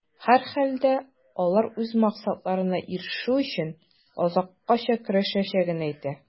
Һәрхәлдә, алар үз максатларына ирешү өчен, азаккача көрәшәчәген әйтә.